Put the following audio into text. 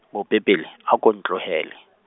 bope pele, ha ko ntlohele .